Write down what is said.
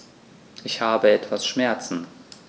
Ich habe etwas Schmerzen.